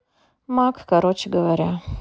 мак короче говоря